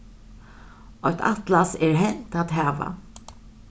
eitt atlas er hent at hava